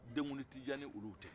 denkuli tɛ diya n'olu tɛ